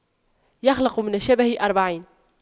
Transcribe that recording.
يخلق من الشبه أربعين